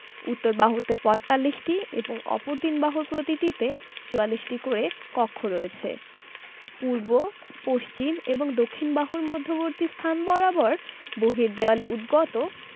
উত্তর বাহুতে ৪৫টি এবং অপর তিন বাহুর প্রতিটিতে ৪৪টি করে কক্ষ রয়েছে পূর্ব পশ্চিম এবং দক্ষিণ বাহুর মধ্যবর্তী স্থান বরাবর বহির্দেওয়ালে উদ্গত